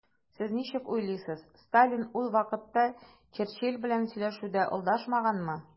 Сез ничек уйлыйсыз, Сталин ул вакытта Черчилль белән сөйләшүдә алдашмаганмы?